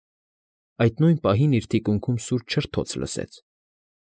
Այդ նույն պահին իր թիկունքում սուր չրթոց լսեց։